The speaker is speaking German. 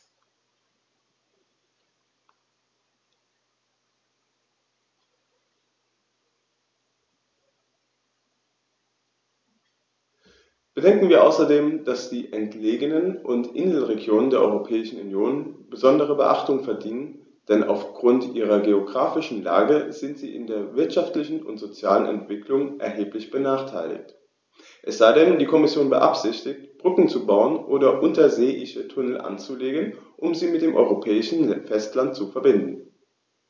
Bedenken wir außerdem, dass die entlegenen und Inselregionen der Europäischen Union besondere Beachtung verdienen, denn auf Grund ihrer geographischen Lage sind sie in ihrer wirtschaftlichen und sozialen Entwicklung erheblich benachteiligt - es sei denn, die Kommission beabsichtigt, Brücken zu bauen oder unterseeische Tunnel anzulegen, um sie mit dem europäischen Festland zu verbinden.